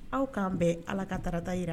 Aw k'an bɛɛ Ala ka tarata yira